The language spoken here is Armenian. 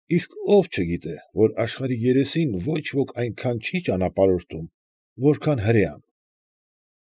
Իսկ ո՛վ չգիտե, որ աշխարհի երեսին ոչ ոք այնքան չի ճանապարհորդում, որքան հրեան։